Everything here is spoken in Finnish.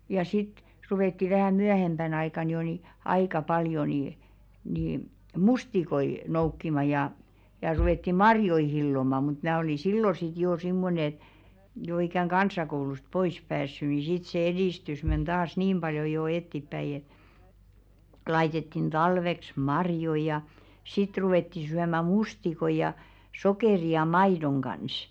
ja sitten ruvettiin vähän myöhempänä aikana jo niin aika paljon niin niin mustikoita noukkimaan ja ja ruvettiin marjoja hilloamaan mutta minä oli silloin sitten jo semmoinen että jo ikään kansakoulusta pois päässyt niin sitten se edistys meni taas niin paljon jo eteenpäin laitettiin talveksi marjoja ja sitten ruvettiin syömään mustikoita ja sokerin ja maidon kanssa